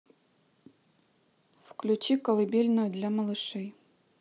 включи колыбельную для малышей